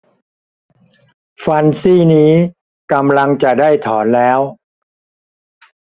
ฟันซี่นี้กำลังจะได้ถอนแล้ว